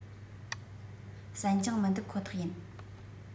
སྲན ལྗང མི འདེབ ཁོ ཐག ཡིན